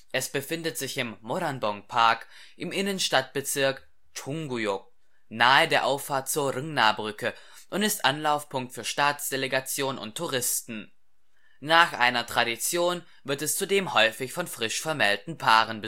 Es befindet sich im Moranbong-Park im Innenstadtbezirk Chung-guyŏk nahe der Auffahrt zur Rungna-Brücke und ist Anlaufpunkt für Staatsdelegationen und Touristen. Nach einer Tradition wird es zudem häufig von frisch vermählten Paaren